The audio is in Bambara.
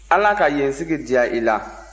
ala ka yensigi diya i la